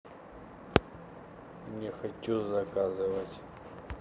не хочу заказывать